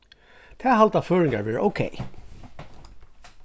tað halda føroyingar vera ókey